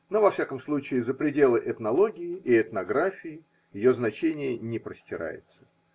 но во всяком случае за пределы этнологии и этнографии ее значение не простирается.